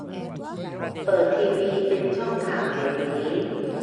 เปิดทีวีเป็นช่องข่าวเดี๋ยวนี้